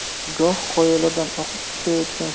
goh qoyalardan oqib tushayotgan